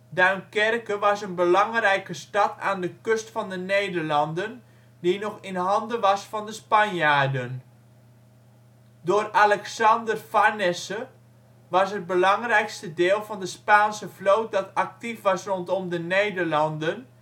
Duinkerke was de belangrijkste stad aan de kust van de Nederlanden die nog in handen was van de Spanjaarden. Door Alexander Farnese was het belangrijkste deel van de Spaanse vloot dat actief was rondom de Nederlanden